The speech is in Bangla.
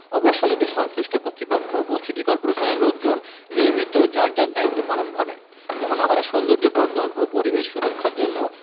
অবশ্য যদি সংশ্লিষ্ট কর্তৃপক্ষ ও সিটি কর্পোরেশনের লোকজন নিয়মিত যার যার দায়িত্ব পালন করেন মহানগরীর সৌন্দর্যবর্ধন ও পরিবেশ সুরক্ষার জন্য